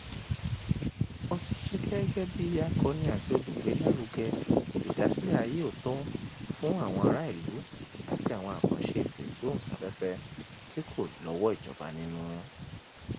Ó ti ṣiṣẹ́ gẹ́gẹ́ bí akọ́ni àti olùgbé-lárúgẹ ìdásílẹ̀ àyè ọ̀tọ̀ fún àwọn ará ìlú àti àwọn àkànṣe eto ìgbóhùn sáfẹ́fẹ́ tí kò lọ́wọ́ ìjọ̀ba nínú.